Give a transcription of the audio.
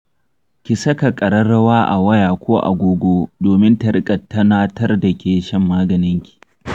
ki saka ƙararrawa a waya ko agogo domin ta riƙa tunatar da ke shan maganinki.